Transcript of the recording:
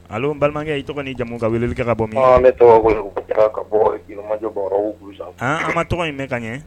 A balimakɛ ye tɔgɔ ni jamu ka wele bɛ ka bɔ an ma tɔgɔ in mɛn ka ɲɛ